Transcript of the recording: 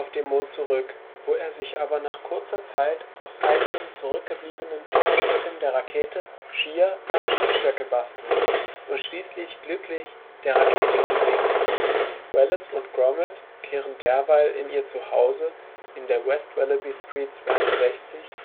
dem Mond zurück, wo er sich aber nach kurzer Zeit aus einigen zurückgebliebenen Trümmerstücken der Rakete Skier samt Ski-Stöcke bastelt und schließlich glücklich der Rakete zuwinkt. Wallace und Gromit kehren derweil in ihr Zuhause, in der West Wallaby Street 62